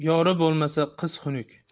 yori bo'lmasa qiz xunuk